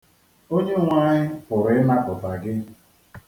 Onyenweanyị pụrụ ịnapụta gị.